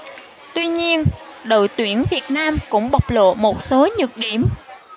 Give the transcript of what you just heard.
tuy nhiên đội tuyển việt nam cũng bộc lộ một số nhược điểm